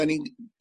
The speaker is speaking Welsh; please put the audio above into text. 'dan ni'n